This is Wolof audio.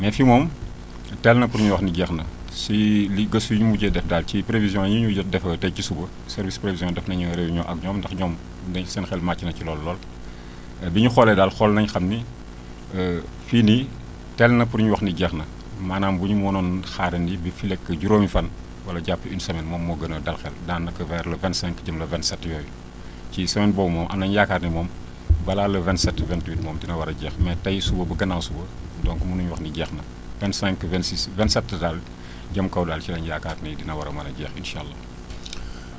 mais fii moom teel na pour ñu wax ne jeex na si li gëstu yi ñu mujjee def daal ci prévision yi ñu jot def tey ci suba service prévision def nañu réunion ak ñoom ndax ñoom dañ seen xel màcc na ci loolu lool bi ñu xoolee daal xool nañ xam ni fii nii teel na pour ñu wax ne jeex na maanaam bu ñu mënoon xaarandi bi fileeg juróomi fan wala jàpp une semaine moom moo gën a dal xel daanaka vers le 25 jëm le 27 yooyu ci semaine boobu moom am nañu yaakaar ne moom balaa le 27 28 moom dina war a jeex mais tey suba ba gànnaaw suba donc mënuñu wax ni jeex na 25 26 27 daal jëm kaw daal si la ñu yaakaar ni dina war a mën a jeex incha allah